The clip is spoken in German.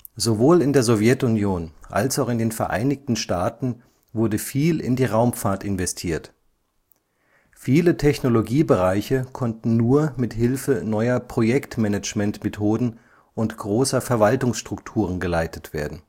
Sowohl in der Sowjetunion als auch in den Vereinigten Staaten wurde viel in die Raumfahrt investiert. Viele Technologiebereiche konnten nur mit Hilfe neuer Projektmanagementmethoden und großer Verwaltungsstrukturen geleitet werden